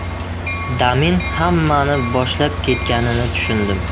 damin hammani boshlab ketganini tushundim